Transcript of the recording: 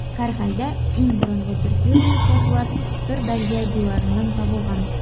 Һәрхәлдә, иң борынгы төрки руник язулар Сырдәрья буйларыннан табылган.